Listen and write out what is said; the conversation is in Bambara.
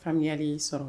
Fayali sɔrɔ